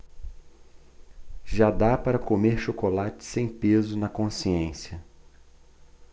já dá para comer chocolate sem peso na consciência